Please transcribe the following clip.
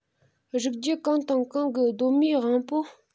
རིགས རྒྱུད གང དང གང གི གདོད མའི དབང པོ